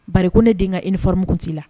Ba ko ne denkɛ ka i ni fmkun t' i la